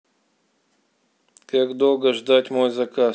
как долго ждать мой заказ